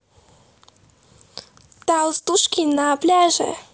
толстушки на пляже